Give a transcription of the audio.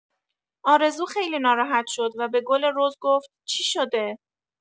آرزو خیلی ناراحت شد و به گل رز گفت: چی شده؟